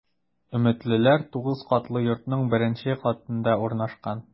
“өметлеләр” 9 катлы йортның беренче катында урнашкан.